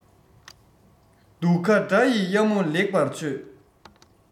སྡུག ཁ དགྲ ཡི གཡབ མོ ལེགས པར ཆོད